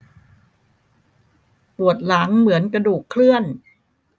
ปวดหลังเหมือนกระดูกเคลื่อน